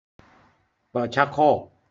เปิดชักโครก